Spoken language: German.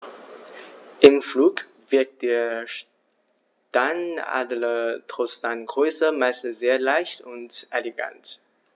Im Flug wirkt der Steinadler trotz seiner Größe meist sehr leicht und elegant.